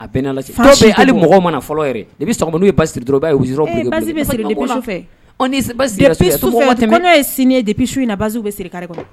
A bɛ n'Ala cɛ kɛ be hali mɔgɔw mana fɔlɔ yɛrɛ dépuis sɔgma n'u ye bache siri dɔrɔn i b'a ye u bi yɔrɔ ee bache bɛ siri dépuis sufɛ ɔ ni s baske u k'a to mɔgɔw ka tɛmɛ _ dépuis sufɛ kɔɲɔ ye sini ye dépuis su in na bache u bɛ siri carré kɔnɔ